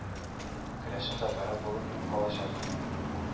Керәшен татары булып мин калачакмын